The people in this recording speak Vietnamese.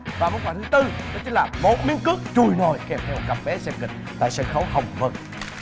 và món quà thứ tư đó chính là một miếng cước chùi nổi kèm thep cặp vé xem kịch tại sân khấu hồng vân